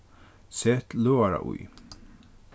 set løðara í